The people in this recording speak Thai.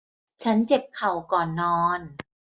ฉันเจ็บเข่าก่อนนอน